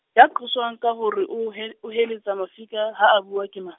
ya qoswang ka hore o hel-, o heletsa mafika ha a bua ke mang?